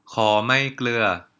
ขอไม่เกลือ